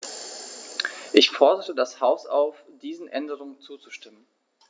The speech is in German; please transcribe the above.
Ich fordere das Haus auf, diesen Änderungen zuzustimmen.